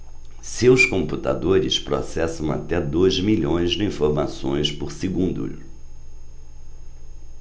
seus computadores processam até dois milhões de informações por segundo